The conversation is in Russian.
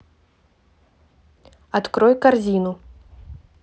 открой корзину